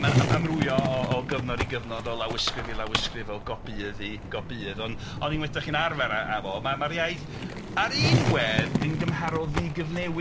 Mae'n am- amrywio o o gyfnod i gyfnod, o lawysgrif i lawysgrif, o gopiydd i gopiydd, ond ond unwaith dach chi'n arfer â â fo ma' mae'r iaith ar u nwedd yn gymharol ddigyfnewid.